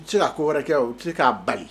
I be se ka ko wɛrɛ kɛ o ti se k'a bali